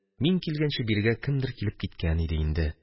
Мин килгәнче, бирегә кемдер килеп киткән иде инде